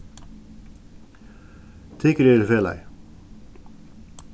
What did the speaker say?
tykur eru felagið